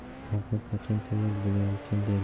ovqat qachon tayyor bo'larkin derdi